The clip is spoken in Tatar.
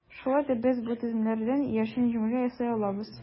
Шулай да без бу төзелмәләрдән иярчен җөмлә ясый алабыз.